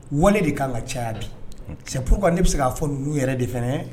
Wali de'a la caya di cɛuru kan ne bɛ se k'a fɔ n'u yɛrɛ de fana ye